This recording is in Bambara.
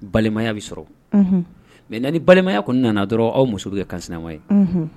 Balimaya bɛ sɔrɔ mɛ ni balimaya kɔni nana dɔrɔn aw muso kɛ kan sina ye